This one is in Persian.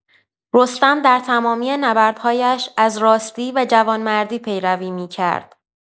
رستم در تمامی نبردهایش از راستی و جوانمردی پیروی می‌کرد.